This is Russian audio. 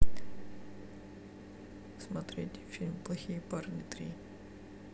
смотреть фильм плохие парни три